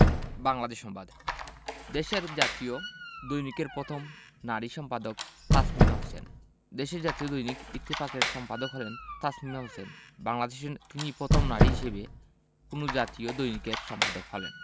বাংলাদেশ সংবাদ দেশের জাতীয় দৈনিকের প্রথম নারী সম্পাদক তাসমিমা হোসেন দেশের জাতীয় দৈনিক ইত্তেফাকের সম্পাদক হলেন তাসমিমা হোসেন বাংলাদেশে তিনিই প্রথম নারী হিসেবে কোনো জাতীয় দৈনিকের সম্পাদক হলেন